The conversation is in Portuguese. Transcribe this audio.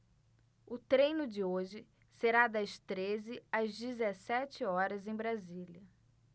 o treino de hoje será das treze às dezessete horas em brasília